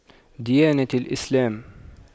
ديانتي الإسلام